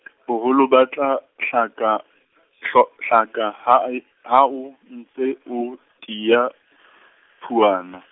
boholo batla, hlaka , hlo, hlaka ha I, ha o, ntse o, tiya, phuwana.